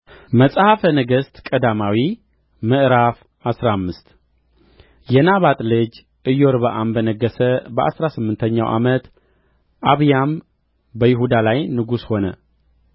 መጽሐፈ ነገሥት ቀዳማዊ ምዕራፍ አስራ አምስት የናባጥ ልጅ ኢዮርብዓም በነገሠ በአሥራ ስምንተኛው ዓመት አብያም በይሁዳ ላይ ንጉሥ ሆነ